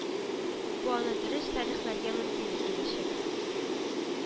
Бу аны дөрес шәрехләргә мөмкинлек бирәчәк